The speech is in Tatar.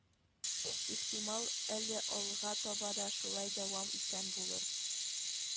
Ихтимал, әле алга таба да шулай дәвам иткән булыр